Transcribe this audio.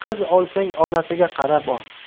qiz olsang onasiga qarab ol